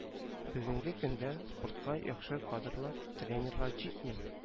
Бүгенге көндә спортка яхшы кадрлар тренерлар җитми